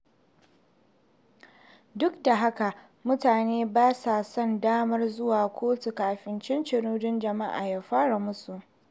Duk da haka, mutanen ba sa samun damar zuwa kotu kafin cincirindon jama'a ya far musu.